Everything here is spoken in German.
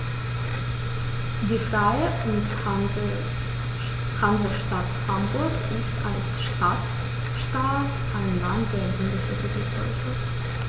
Die Freie und Hansestadt Hamburg ist als Stadtstaat ein Land der Bundesrepublik Deutschland.